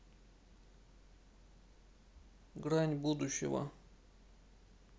грань будущего